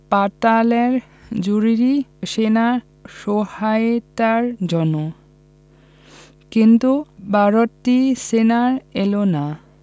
পাঠালেন জরুরি সেনা সহায়তার জন্য কিন্তু বাড়তি সেনা এলো না